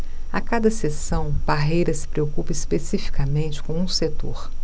a cada sessão parreira se preocupa especificamente com um setor